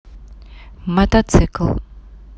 мотоцикл